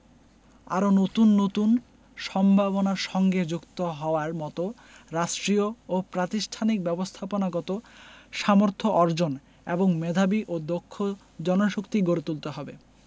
আরও নতুন নতুন সম্ভাবনার সঙ্গে যুক্ত হওয়ার মতো রাষ্ট্রীয় ও প্রাতিষ্ঠানিক ব্যবস্থাপনাগত সামর্থ্য অর্জন এবং মেধাবী ও দক্ষ জনশক্তি গড়ে তুলতে হবে